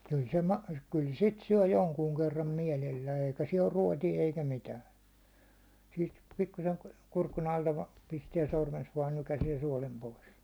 kyllä se - kyllä sitä syö jonkun kerran mielellään eikä siellä ole ruotoa eikä mitään siitä pikkuisen kurkun alta vain pistää sormensa vain nykäisee suolen pois